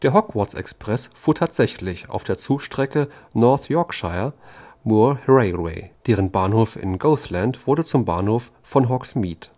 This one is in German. Hogwarts-Express fuhr tatsächlich auf der Zugstrecke North Yorkshire Moors Railway, deren Bahnhof in Goathland wurde zum Bahnhof von Hogsmeade